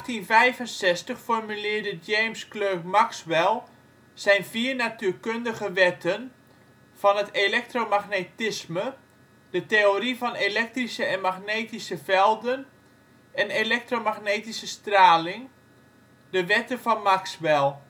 1865 formuleerde James Clerk Maxwell zijn vier natuurkundige wetten van het elektromagnetisme, de theorie van elektrische en magnetische velden en elektromagnetische straling; de Wetten van Maxwell